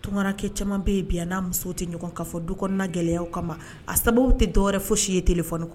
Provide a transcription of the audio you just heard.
Tunkanrakɛ caman bɛ yen bi, a n'a muso tɛ ɲɔgɔn kan fɔ du kɔnɔna gɛlɛyaw kama, a sababu tɛ dɔwɛrɛ fosi ye téléphone kɔ.